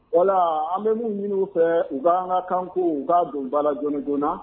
Voila an bɛ minnu ɲini u fɛ, u ka an ka kan ko in don ba la joona joona.